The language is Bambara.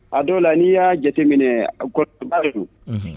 A dɔw la n'i y'a jateminɛ a koba